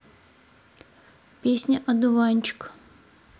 песня одуванчик